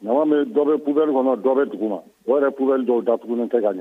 Ɲama bɛ dɔ bɛ pubɛnere kɔnɔ dɔ bɛ dugu ma wɛrɛ ppere dɔw dakuni tɛ kan ɲɛ